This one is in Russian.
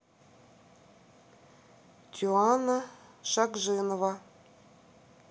туяна шагжинова